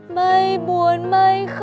mây buồn mây